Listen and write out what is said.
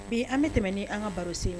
Bii an bɛ tɛmɛ ni an ŋa barosen ye